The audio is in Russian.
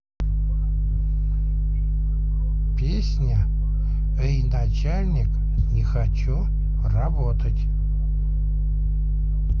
песня эй начальник не хочу работать